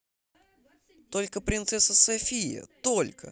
только принцесса софия только